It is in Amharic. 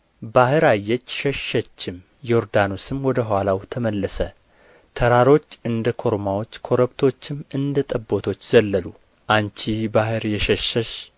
ባሕር አየች ሸሸችም ዮርዳኖስም ወደ ኋላው ተመለሰ ተራሮች እንደ ኮርማዎች ኮረብቶችም እንደ ጠቦቶች ዘለሉ አንቺ ባሕር የሸሸሽ